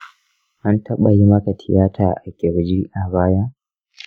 an taɓa yi maka tiyata a ƙirji a baya?